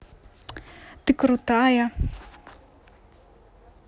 ты крутая